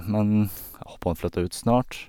Men jeg håper han flytter ut snart.